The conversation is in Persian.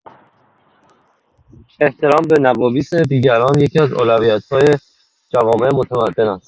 احترام به نوامیس دیگران یکی‌از اولویت‌های جوامع متمدن است.